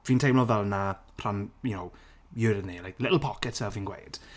Fi'n teimlo fel 'na pan you know, you're in there like little pockets fel fi'n gweud.